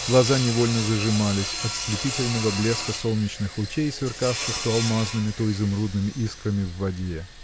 Глаза невольно зажимались от слепительного блеска солнечных лучей сверкавших то алмазными то изумрудными искрами в воде.